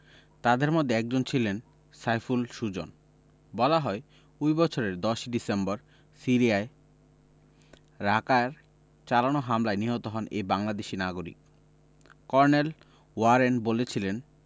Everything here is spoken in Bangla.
তাঁদের মধ্যে একজন ছিলেন সাইফুল সুজন বলা হয় ওই বছরের ১০ ডিসেম্বর সিরিয়ায় রাকার চালানো হামলায় নিহত হন এই বাংলাদেশি নাগরিক কর্নেল ওয়ারেন বলেছিলেন